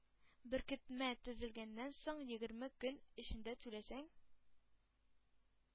Беркетмә төзелгәннән соң егерме көн эчендә түләсәң,